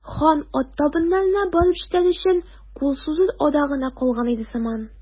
Хан ат табыннарына барып җитәр өчен кул сузыр ара гына калган иде сыман.